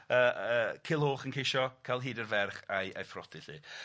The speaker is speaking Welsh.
yy yy Culhwch yn ceisio ca'l hyd i'r ferch a'i a'i phrodi 'lly.